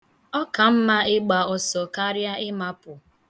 Ọ ka mma ịgba ọsọ karịa ịmapụ.